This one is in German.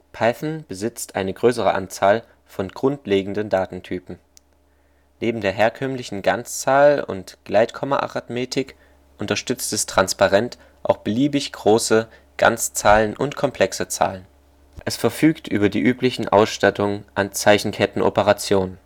Python besitzt eine größere Anzahl von grundlegenden Datentypen. Neben der herkömmlichen Ganzzahl - und Gleitkommaarithmetik unterstützt es transparent auch beliebig große Ganzzahlen und komplexe Zahlen. Es verfügt über die übliche Ausstattung an Zeichenkettenoperationen